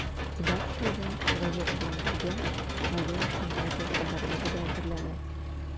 Редакциядә, газета белән бергә, район өчен радио хәбәрләре дә әзерләнә.